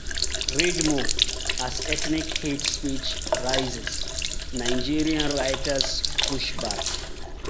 Read more: As ethnic hate speech rises, Nigerian writers push back